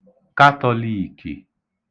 katọ̄līìkì